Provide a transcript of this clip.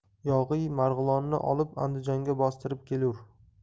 yog'iy mar g'ilonni olib andijonga bostirib kelur